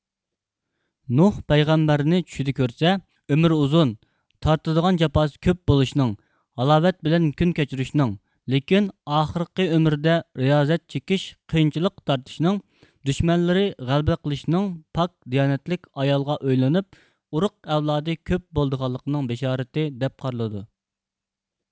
نۇھ پەيغەمبەرنى چۈشىدە كۆرسە ئۆمرى ئۇزۇن تارتىدىغان جاپاسى كۆپ بولۇشنىڭ ھالاۋەت بىلەن كۈن كەچۈرۈشنىڭ لېكىن ئاخىرقى ئۆمرىدە رىيازەت چېكىش قىينچىلىق تارتىشنىڭ دۈشمەنلىرى غەلبە قىلىشنىڭ پاك دىيانەتلىك ئايالغا ئۆيلىنىپ ئۇرۇق ئەۋلادى كۆپ بولىدىغانلىقنىڭ بىشارىتى دەپ قارىلىدۇ